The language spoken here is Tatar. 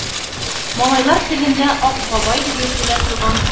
Малайлар телендә “Ак бабай” дип йөртелә торган